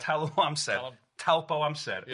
Talm o amser,... Talwm. ...talp o amser. Ia.